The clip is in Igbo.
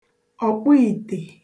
ọ̀kpụìtè